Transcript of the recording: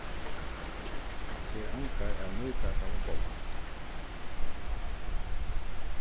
her angar av nýbakaðum bollum